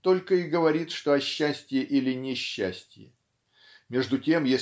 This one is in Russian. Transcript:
только и говорит что о счастье или несчастье между тем